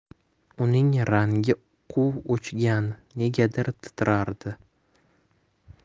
uning rangi quv o'chgan negadir titrardi